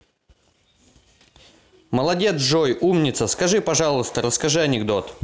молодец джой умница скажи пожалуйста расскажи анекдот